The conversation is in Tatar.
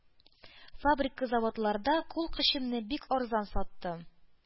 — фабрика-заводларда кул көчемне бик арзан саттым.